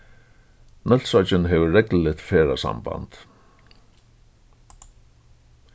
nólsoyggin hevur regluligt ferðasamband